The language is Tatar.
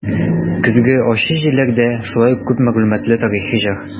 "көзге ачы җилләрдә" шулай ук күп мәгълүматлы тарихи җыр.